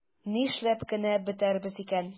Нишләп кенә бетәрбез икән?